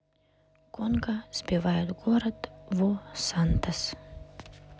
конго сбивает город во сантос